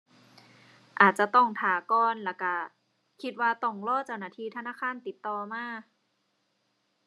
อาจจะต้องท่าก่อนแล้วก็คิดว่าต้องรอเจ้าหน้าที่ธนาคารติดต่อมา